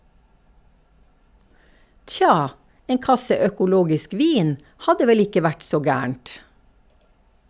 - Tja, en kasse økologisk vin hadde vel ikke vært så gærent.